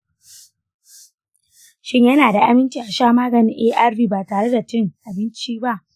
shin yana da aminci a sha maganin arv ba tare da cin abinci ba?